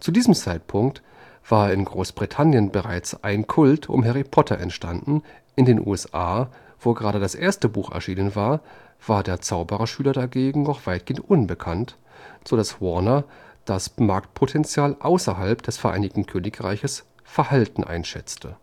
diesem Zeitpunkt war in Großbritannien bereits ein Kult um Harry Potter entstanden; in den USA, wo gerade das erste Buch erschienen war, war der Zauberschüler dagegen noch weitgehend unbekannt, sodass Warner das Marktpotential außerhalb des Vereinten Königreichs verhalten einschätzte